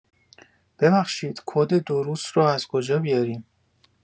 ببخشید کد دروس رو از کجا بیاریم؟